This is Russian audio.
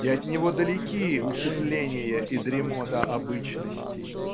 и от него далеки усыпление и дремота обычности.